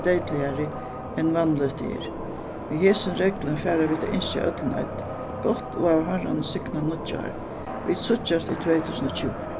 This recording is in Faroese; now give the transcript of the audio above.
deydligari enn vanligt er við hesum reglum fara vit at ynskja øllum eitt gott og av harranum signað nýggjár vit síggjast í tvey túsund og tjúgu